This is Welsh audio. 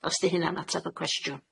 Os 'di hynna'n atab y cwestiwn.